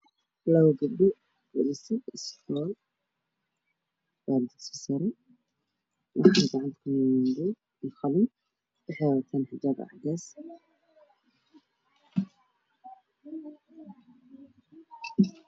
Labo gabdho waa dugsi sare waxay gacanta kuwataan buug iyo qalin waxay xiran yihiin xijaab cadeys ah.